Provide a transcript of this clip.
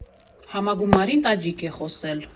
Համագումարին տաջիկ է խոսել։